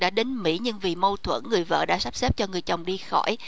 đã đến mỹ nhưng vì mâu thuẫn người vợ đã sắp xếp cho người chồng đi khỏi